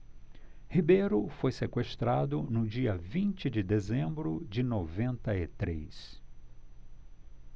ribeiro foi sequestrado no dia vinte de dezembro de noventa e três